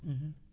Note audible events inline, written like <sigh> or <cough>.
<hesitation> <hesitation>